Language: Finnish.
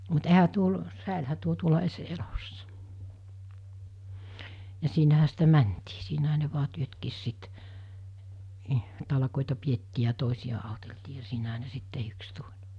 mutta eihän - säilyihän tuo tuolla edes elossa ja siinähän sitä mentiin siinähän ne vain työtkin sitten niin talkoita pidettiin ja toisia auteltiin ja siinähän ne sitten tehdyksi tuli